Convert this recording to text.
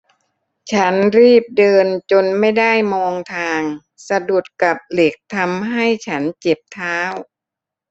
ฉันรีบเดินจนไม่ได้มองทางสะดุดกับเหล็กทำให้ฉันเจ็บเท้า